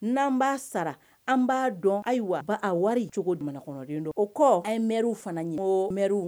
N'an b'a sara an b'a dɔn ayiwaba a wari cogo jamana kɔnɔnden dɔ o kɔ a ye mw fana ye o mɛw